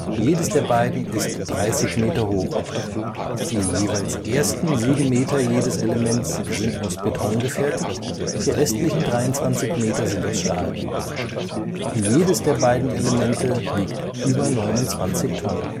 Jedes der beiden ist 30 Meter hoch. Die jeweils ersten sieben Meter jedes Elements sind aus Beton gefertigt, die restlichen 23 Meter sind aus Stahl. Jedes der beiden Elemente wiegt über 29 Tonnen